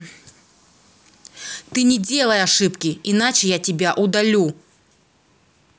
ты не делай ошибки иначе я тебя удалю